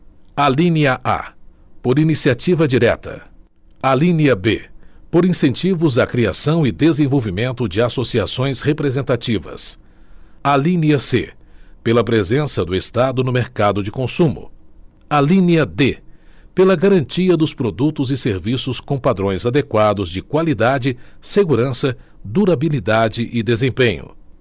alínea a por iniciativa direta alínea b por incentivos à criação e desenvolvimento de associações representativas alínea c pela presença do estado no mercado de consumo alínea d pela garantia dos produtos e serviços com padrões adequados de qualidade segurança durabilidade e desempenho